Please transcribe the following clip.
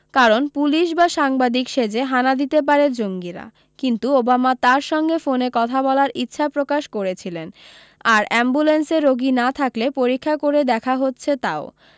কারণ পুলিশ বা সাংবাদিক সেজে হানা দিতে পারে জঙ্গিরা কিন্তু ওবামা তাঁর সঙ্গে ফোনে কথা বলার ইচ্ছা প্রকাশ করেছিলেন আর অ্যাম্বুলেন্সে রোগী না থাকলে পরীক্ষা করে দেখা হচ্ছে তাও